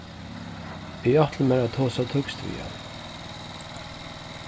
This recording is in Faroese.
eg ætli mær at tosa týskt við hann